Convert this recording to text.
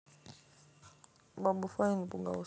баба фая напугалась